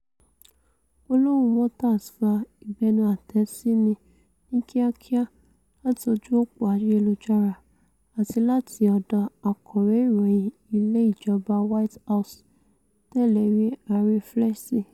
Gbólóhùn Walters fa ìbẹnuàtẹ́síni ní kíákíá láti ojú-òpó ayelujara, àti láti ọ̀dọ̀ akọ̀wé ìròyìn ilé ìjọba White House tẹ́lẹ̀rí Ari Fleischer.